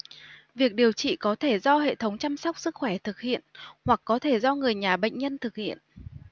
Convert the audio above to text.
việc điều trị có thể do hệ thống chăm sóc sức khỏe thực hiện hoặc có thể do người nhà bệnh nhân thực hiện